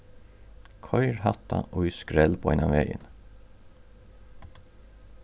koyr hatta í skrell beinanvegin